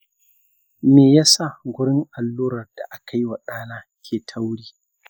meyasa gurin allurar da akayi wa da na ke tauri?